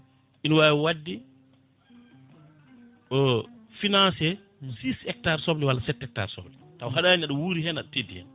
ina wawi wadde financé 6 hectares soble walla 7 hectares soble taw haɗani aɗa wuuri hen aɗa teddi hen